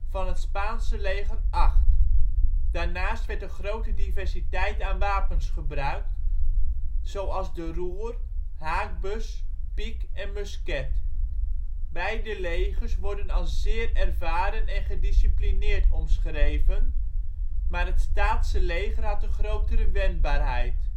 van het Spaanse leger acht. Daarnaast werd een grote diversiteit aan wapens gebruikt, zoals de roer, haakbus, piek en musket. Beide legers worden als zeer ervaren en gedisciplineerd omschreven, maar het Staatse leger had een grotere wendbaarheid